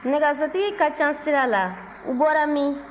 nɛgɛsotigi ka ca sira la u bɔra min